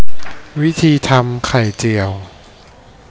วิธีีทำไข่เจียว